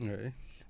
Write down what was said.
oui